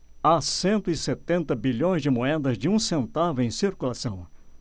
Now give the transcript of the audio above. há cento e setenta bilhões de moedas de um centavo em circulação